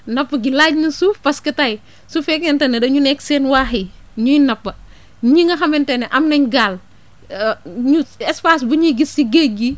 napp gi laaj na suuf parce que tey su fekkente ne dañu nekk seen waax yi ñuy napp ñi nga xamante ne am nañ gaal ñu espace bu ñuy gis si géej gi